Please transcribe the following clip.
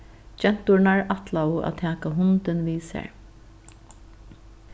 genturnar ætlaðu at taka hundin við sær